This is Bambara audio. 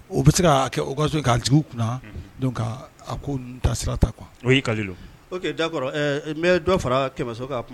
O bɛ se ka kɛ o kaso k' kunna a ko ta sira ta kuwa o y ka o da kɔrɔ dɔ fara kɛmɛ so ka